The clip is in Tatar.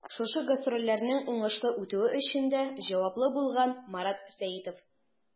Шушы гастрольләрнең уңышлы үтүе өчен дә җаваплы булган Марат Сәитов.